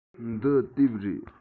འདི དེབ རེད